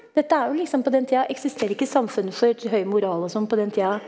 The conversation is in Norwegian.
dette er jo liksom på den tida, eksisterer ikke samfunnet for høy moral og sånn på den tida?